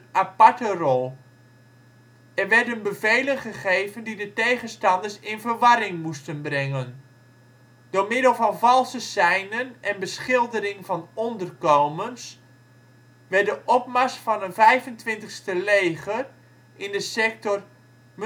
aparte rol. Er werden bevelen gegeven die de tegenstanders in verwarring moesten brengen. Door middel van valse seinen en beschildering van onderkomens, werd de opmars van een ' 25e leger ' in de sector Mönchengladbach-Keulen-Düsseldorf